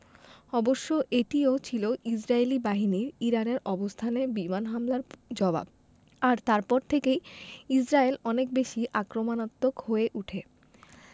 অবশ্য এটিও ছিল ইসরায়েলি বাহিনীর ইরানের অবস্থানে বিমান হামলার জবাব আর তারপর থেকেই ইসরায়েল অনেক বেশি আক্রমণাত্মক হয়ে ওঠে